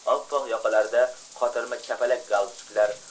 oppoq yoqalarida qotirma kapalak galstuklar